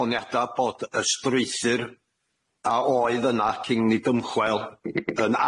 honiada' bod y strwythur a oedd yna cyn i ni dymchwel yn